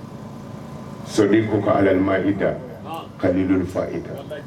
So ko ka alalima i da ka faa i da